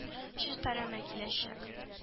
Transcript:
Челпәрәмә киләчәк